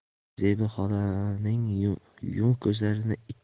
zebi xolaning yumuq ko'zlaridan